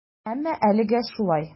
Әмма әлегә шулай.